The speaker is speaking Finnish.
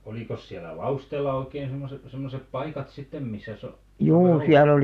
olikos siellä Lausteella oikein - semmoiset paikat sitten missä - oltiin